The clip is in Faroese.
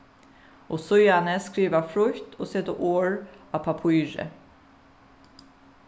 og síðani skriva frítt og seta orð á pappírið